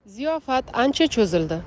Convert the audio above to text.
ziyofat ancha cho'zildi